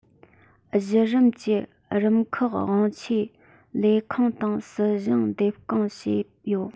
གཞི རིམ གྱི རིམ ཁག དབང ཆའི ལས ཁུངས དང སྲིད གཞུང འདེམས བསྐོ བྱས ཡོད